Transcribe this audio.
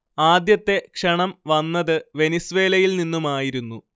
ആദ്യത്തെ ക്ഷണം വന്നത് വെനിസ്വേലയിൽ നിന്നുമായിരുന്നു